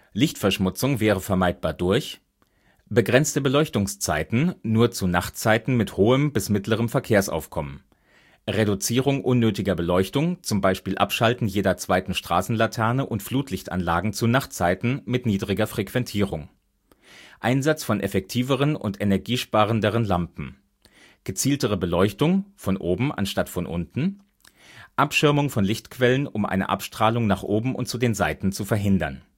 Lichtverschmutzung wäre vermeidbar durch: begrenzte Beleuchtungszeiten (nur zu Nachtzeiten mit hohem bis mittlerem Verkehrsaufkommen), Reduzierung unnötiger Beleuchtung (z. B. Abschalten jeder zweiten Straßenlaterne und Flutlichtanlagen zu Nachtzeiten mit niedriger Frequentierung), Einsatz von effektiveren und energiesparenderen Lampen, gezieltere Beleuchtung (von oben anstatt von unten), Abschirmung von Lichtquellen, um eine Abstrahlung nach oben und zu den Seiten zu verhindern